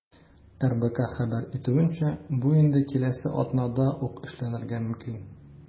РБК хәбәр итүенчә, бу инде киләсе атнада ук эшләнергә мөмкин.